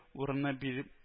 Урынына биреп